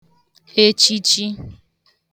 echichi